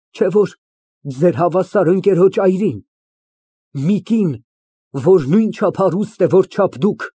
Չէ՞ որ ձեր հավասար ընկերոջ այրին։ Մի կին, որ նույնչափ հարուստ է, որչափ դուք։